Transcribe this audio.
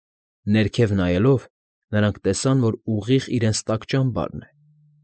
Ներքը նայելով՝ նրանք տեսան, որ ուղիղ իրենց տակ ճամբարն է։